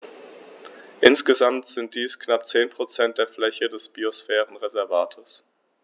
Insgesamt sind dies knapp 10 % der Fläche des Biosphärenreservates.